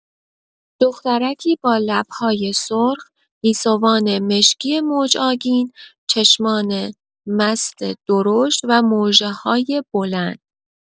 دخترکی با لب‌های سرخ، گیسوان مشکی موج‌آگین، چشمان مست درشت و مژه‌های بلند.